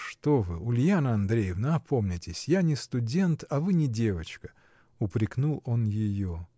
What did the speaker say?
— Что вы, Ульяна Андреевна, опомнитесь — я не студент, а вы не девочка!. — упрекнул он ее.